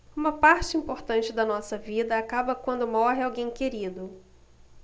uma parte importante da nossa vida acaba quando morre alguém querido